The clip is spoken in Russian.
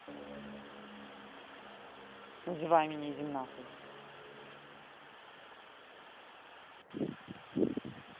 называй меня иди нахуй